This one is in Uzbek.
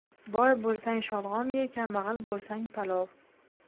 boy bo'lsang sholg'om ye kambag'al bo'lsang palov